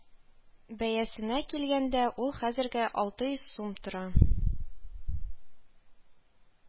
Бәясенә килгәндә, ул хәзергә алты йөз сум тора